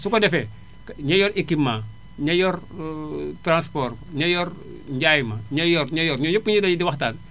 su ko defee ñi yor équipement ña yor transport ña yor njaay ma ña yor ña yor ña yor yooyu yépp ñooñ ñépp bu ñuy daje di waxtaan